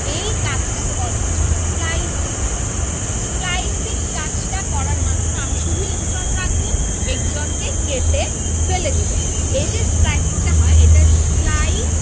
এই কাজটাকে বলে হচ্ছে স্প্লাইসিং স্প্লাইসিং কাজটা করার মাধ্যমে শুধু ইনট্রন কে রাখবো এক্সন কে তুই ফেলে দিব এই যে স্প্লাইসিং টা হয় এটা স্প্লাই